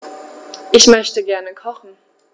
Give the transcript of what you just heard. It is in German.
Ich möchte gerne kochen.